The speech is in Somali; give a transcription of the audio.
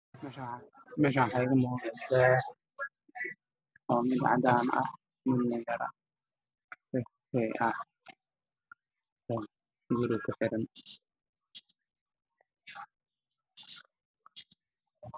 Meeshaan waa qol waxaa ku xiran daahman midabkoodu yahay caddaan caddaysi